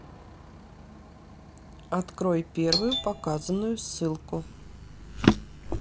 открой первую показанную ссылку